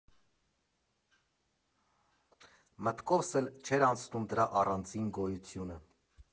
Մտքովս էլ չէր անցնում դրա առանձին գոյությունը։